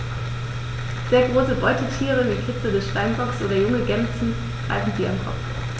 Sehr große Beutetiere wie Kitze des Steinbocks oder junge Gämsen greifen sie am Kopf.